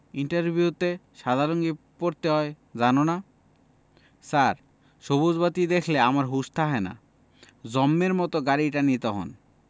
ইন্টারভিউতে সাদা লুঙ্গি পড়তে হয় জানো না ছার সবুজ বাতি দ্যাখলে আমার হুশ থাহেনা জম্মের মত গাড়ি টানি তহন